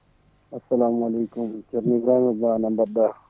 assalamu alaeykum ceerno Ibrahima Ba no mbaɗɗa